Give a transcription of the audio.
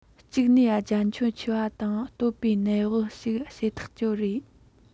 གཅིག ནས རྒྱ ཁྱོན ཆེ བ དང སྟོད བའི ནད བག ཅིག བཤད ཐག ཆོད རེད